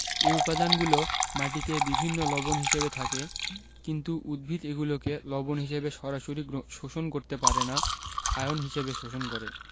এ উপাদানগুলো মাটিতে বিভিন্ন লবণ হিসেবে থাকে কিন্তু উদ্ভিদ এগুলোকে লবণ হিসেবে সরাসরি শোষণ করতে পারে না আয়ন হিসেবে শোষণ করে